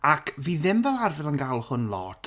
Ac fi ddim fel arfer yn gael hwn lot.